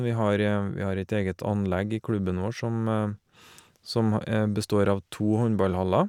vi har Vi har et eget anlegg i klubben vår som som e består av to håndballhaller.